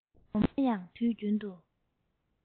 འོ མ ཡང དུས རྒྱུན དུ